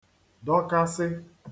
dọkasị